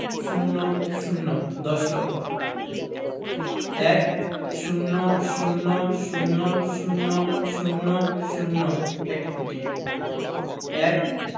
০০ দশ লক্ষ ১০০০০০০০ এক কোটি ১